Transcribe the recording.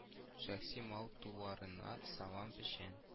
Шәхси мал-туарларына салам, печән